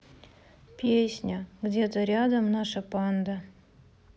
песня где то рядом наша панда